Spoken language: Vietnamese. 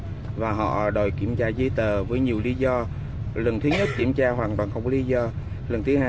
và họ đòi kiểm tra giấy tờ với nhìu lí do lần thứ nhất kiểm tra hoàn toàn không có lí do lần thứ hai